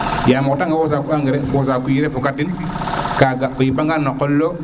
yaam xo tanga o saku engrais fo saku ire foka tin kaga o yipa ngan no qol le wo